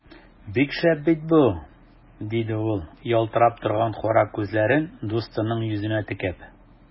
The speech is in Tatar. Бик шәп бит бу! - диде ул, ялтырап торган кара күзләрен дустының йөзенә текәп.